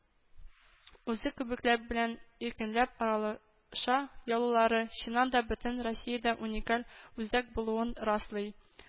Үзе кебекләр белән иркенләп аралаша алулары, чыннан да, бөтен россиядә уникаль үзәк булуын раслый